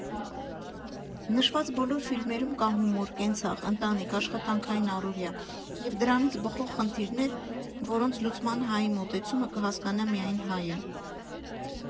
Նշված բոլոր ֆիլմերում կա հումոր, կենցաղ, ընտանիք, աշխատանքային առօրյա և դրանից բխող խնդիրներ, որոնց լուծման հայի մոտեցումը կհասկանա միայն հայը։